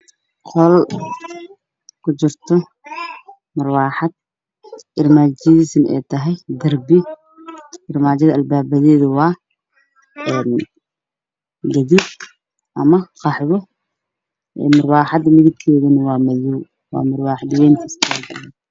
Qol kujirto murwaxad irmajadisu ay tahay darbi armajada Albabadedu waa en digir ama Qaxwi murwaxada midabkedu waa madow wa muwaxad wen